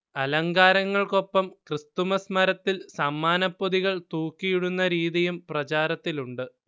അലങ്കാരങ്ങൾക്കൊപ്പം Christmas മരത്തിൽ സമ്മാനപ്പൊതികൾ തൂക്കിയിടുന്ന രീതിയും പ്രചാരത്തിലുണ്ട്